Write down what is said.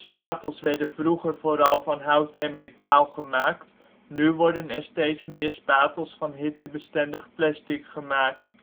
Spatels werden vroeger vooral van hout en metaal gemaakt. Nu worden er steeds meer spatels van hittebestendig plastic gemaakt